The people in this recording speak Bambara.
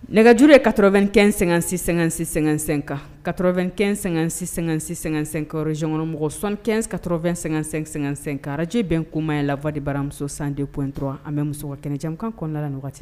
Nɛgɛjurure ye ka2-ɛn--sɛ-sɛ-sɛ kan ka2-ɛn--sɛ-sɛ-sɛka zykɔnmɔgɔ 1 kɛnɛn ka2-sɛka araje bɛn kumamaa ye lawa de baramuso san de p dɔrɔn an bɛ muso kɛnɛjakan kɔnɔna la ɲɔgɔntɛ